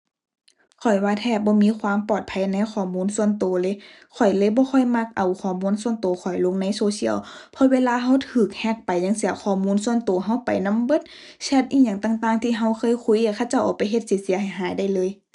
ข้อยว่าแทบบ่มีความปลอดภัยในข้อมูลส่วนตัวเลย ข้อยเลยบ่ค่อยมักเอาข้อมูลส่วนตัวข้อยลงในโซเชียล เพราะเวลาตัวตัวแฮ็กไปจั่งซี้ ข้อมูลส่วนตัวตัวไปนำเบิด แชตอิหยังต่างต่างที่ตัวเคยคุยอะ เขาเจ้าเอาไปเฮ็ดเสียเสียหายหายได้เลย